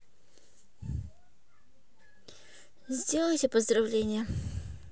сделайте поздравления